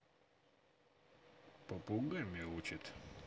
попугай мяучит